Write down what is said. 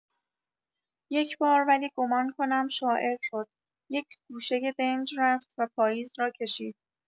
یک‌بار ولی گمان کنم شاعر شد، یک گوشۀ دنج رفت و پاییز را کشید!